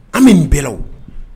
An bɛ bɛlaw